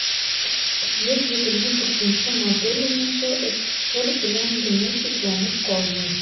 124 нче модель уңышы ссср белән генә чикләнеп калмый.